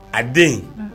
A den